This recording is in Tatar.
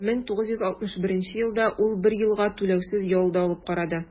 1961 елда ул бер елга түләүсез ял да алып карады.